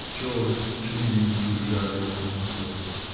пчелы, шмели жужжали около цветов.